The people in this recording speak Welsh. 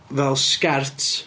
Fel sgert.